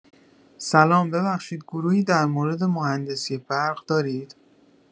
سلام ببخشید گروهی در مورد مهندسی برق دارید؟